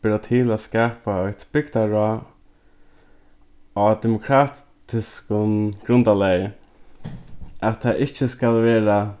bera til at skapa eitt bygdaráð á demokratiskum grundarlagi at tað ikki skal vera